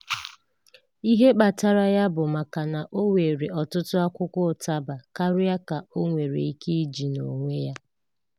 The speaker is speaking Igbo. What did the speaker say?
Ihe kpatara ya bụ maka na o were ọtụtụ akwụkwọ ụtaba karịa ka o nwere ike iji n'onwe ya.